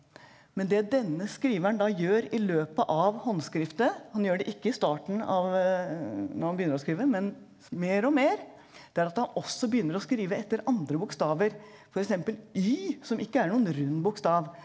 men det denne skriveren da gjør i løpet av håndskriftet, han gjør det ikke i starten av når han begynner å skrive, men mer og mer, det er at han også begynner å skrive etter andre bokstaver, f.eks. Y som ikke er noen rund bokstav.